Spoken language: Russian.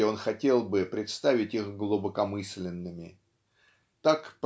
где он хотел бы представить их глубокомысленными. Так